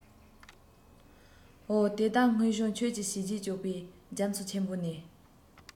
ཡང མི ལ བཞད པ རྡོ རྗེ སྐུ གཞོན ནུའི དུས ཡབ གུང དུ གཤེགས རྗེས ཨ ཁུ དང